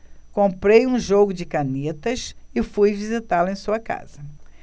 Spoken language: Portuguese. comprei um jogo de canetas e fui visitá-lo em sua casa